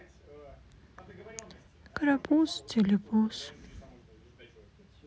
карапуз телепуз